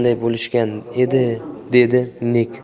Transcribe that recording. qilganday bo'lishgan edi dedi nig